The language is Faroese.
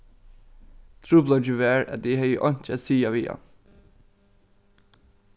trupulleikin var at eg hevði einki at siga við hann